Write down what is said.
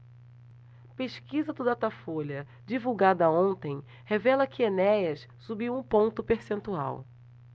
pesquisa do datafolha divulgada ontem revela que enéas subiu um ponto percentual